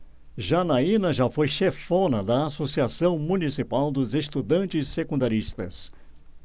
janaina foi chefona da ames associação municipal dos estudantes secundaristas